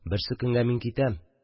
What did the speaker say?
Берсекөнгә мин китәм